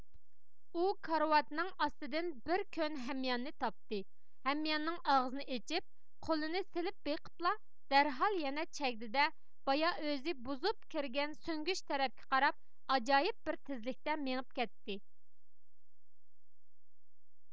ئۇ كارىۋاتنىڭ ئاستىدىن بىر كۆن ھەمياننى تاپتى ھەمياننىڭ ئاغزىنى ئېچىپ قولىنى سېلىپ بېقىپلا دەرھال يەنە چەگدى دە بايا ئۆزى بۇزۇپ كىرگەن سۈڭگۈچ تەرەپكە قاراپ ئاجايىپ بىر تېزلىكتە مېڭىپ كەتتى